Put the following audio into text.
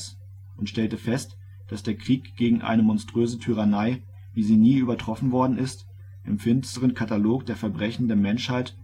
eine monströse Tyrannei, wie sie nie übertroffen worden ist im finsteren Katalog der Verbrechen der Menschheit